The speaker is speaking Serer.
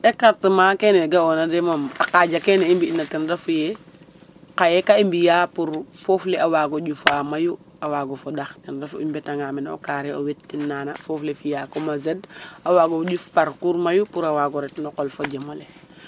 Ècartement kene ga'oona de moom a qaj akene i mbi'na ten refu ye xaye ka i mbi'a pour foof le a waag o ɓisaa mayu a waag o foɗax ten refu i mbetanaga o carrée o wetin naana foof le fi'a comme a a waag o ƴuf parcours mayu a waag o ret no qol fo jem ole .